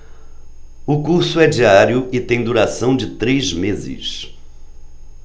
o curso é diário e tem duração de três meses